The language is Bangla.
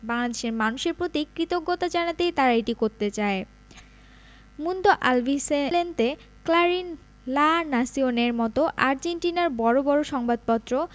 বাংলাদেশের মানুষের প্রতি কৃতজ্ঞতা জানাতেই তারা এটি করতে চায় Mundo Albiceleste Clarin La Nacion র মতো আর্জেন্টিনার বড় বড় সংবাদপত্র